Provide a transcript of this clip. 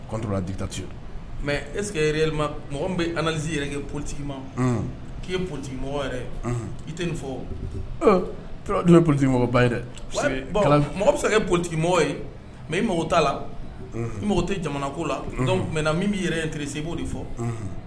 Ditati mɛ ese mɔgɔ bɛsi yɛrɛ kɛ politigima k'i ye politigimɔgɔ yɛrɛ i tɛ nin fɔ politigimɔgɔba ye mɔgɔ bɛ se kɛ politigimɔgɔ ye mɛ i mɔgɔ ta la n mɔgɔ tɛ jamana ko la mɛ min bɛ yɛrɛ terire se b'o de fɔ